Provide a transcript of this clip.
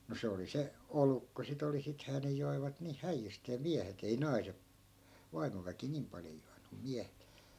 no se oli se olut kun sitä oli sittenhän ne joivat niin häijysteen miehet ei - vaimoväki niin paljon juonut mutta miehet